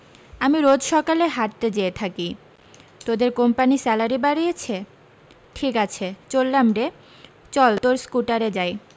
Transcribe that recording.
আমি রোজ সকালে হাঁটতে যেয়ে থাকি তোদের কোম্পানী স্যালারি বাড়িয়েছে ঠিক আছে চললাম রে চল তোর স্কুটারে যাই